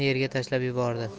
yerga tashlab yubordi